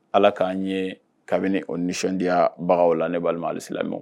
Ala k'an ye kabini o nisɔndiyayabagaw la ne balima ali silamɛme